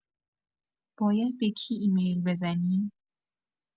باید به کی ایمیل بزنیم؟